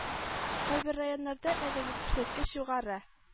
Кайбер районнарда әлеге күрсәткеч югары